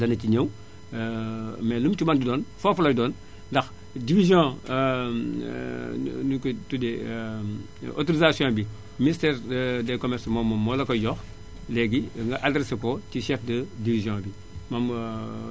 dana ci ñëw mais lu mu ci mënti doon foofu lay doon ndax division nu ñu koy tuddee autorisation bi ministère des commerces moom moo la koy jox léegi nga adressé ko ci chef de division bi moom